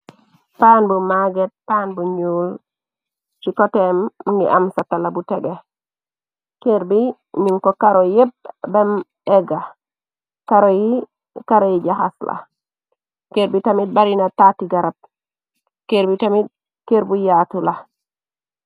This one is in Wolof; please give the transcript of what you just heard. paan bu magget paan bu ñuul ci kotem ngi am satala bu tege kër bi nun ko karo yépp bem egga karoy jaxas la kër bi tamit barina taati garab kër bi tamit kër bu yaatu la